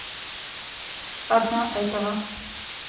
одна этого